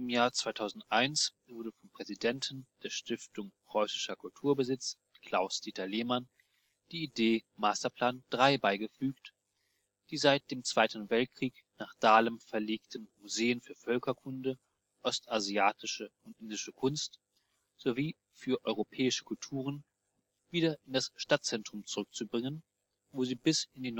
Jahr 2001 wurde vom Präsidenten der Stiftung Preußischer Kulturbesitz Klaus-Dieter Lehmann die Idee Masterplan III beigefügt, die seit dem Zweiten Weltkrieg nach Dahlem verlegten Museen für Völkerkunde, Ostasiatische und Indische Kunst sowie für Europäische Kulturen wieder in das Stadtzentrum zurückzubringen, wo sie bis in die